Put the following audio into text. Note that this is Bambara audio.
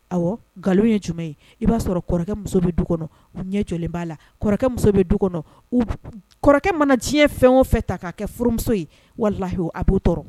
Ɔwɔ nkalon ye jumɛn ye i b'a sɔrɔ kɔrɔkɔ muso bɛ du kɔnɔ, u ɲɛ jɔlen b'a la, kɔrɔkɛ bɛ du kɔnɔ kɔrɔkɛ mana diɲɛ fɛn o fɛ ta k'a kɛ furumuso ye walahi a b'u tɔɔrɔ